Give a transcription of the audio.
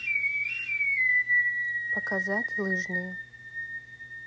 показать лыжные